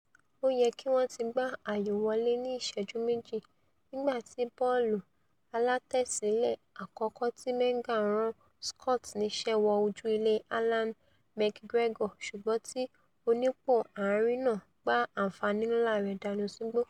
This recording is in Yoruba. Ó yẹ kíwọ́n ti gbá ayò wọlé ní ìṣẹ́jú méji nígbà tí bọ́ọ̀lù aláàtẹ́sílẹ̀ àkọ́kọ́ ti Menga rán Scott níṣẹ́ wọ ojú ile Allan McGregor ṣùgbọ́n tí onípò-ààrin náà gbá àǹfààní ńlá rẹ̀ dànù sígbó.